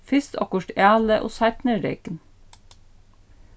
fyrst okkurt ælið og seinni regn